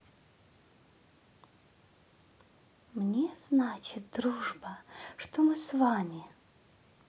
мне значит дружба что мы с вами